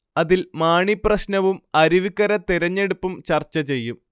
അതിൽ മാണി പ്രശ്നവും അരുവിക്കര തെരഞ്ഞെടുപ്പും ചർച്ചചെയ്യും